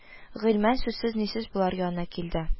Гыйльман сүзсез-нисез болар янына килде